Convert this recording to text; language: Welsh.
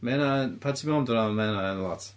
Ma' hynna yn... Pan ti'n meddwl amdana fo, ma' hynna yn lot.